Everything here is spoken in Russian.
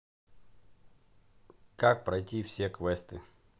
как пройти все квесты